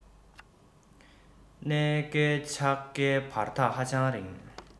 གནས བསྐལ ཆགས བསྐལ བར ཐག ཧ ཅང རིང